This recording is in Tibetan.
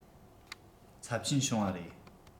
ཚབས ཆེན བྱུང བ རེད